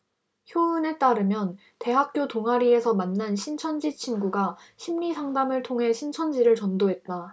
효은에 따르면 대학교 동아리에서 만난 신천지 친구가 심리상담을 통해 신천지를 전도했다